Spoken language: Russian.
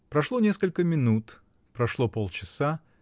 Прошло несколько минут, прошло полчаса